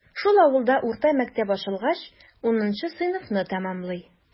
Шул авылда урта мәктәп ачылгач, унынчы сыйныфны тәмамлый.